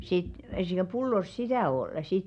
sitten sitä pullossa sitä oli sitten